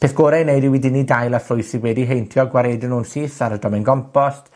Peth gore i neud yw i dynnu dail a ffrwyth sydd wedi heintio a gwaredu nw'n syth ar y domen gompost.